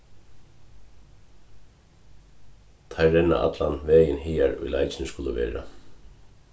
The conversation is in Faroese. teir renna allan vegin hagar ið leikirnir skulu vera